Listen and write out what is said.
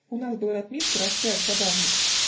У нас был ротмистр, остряк, забавник